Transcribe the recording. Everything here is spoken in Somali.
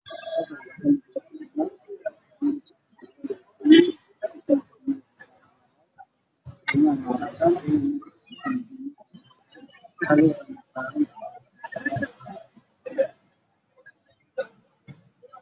Waa armaajo cadaan ah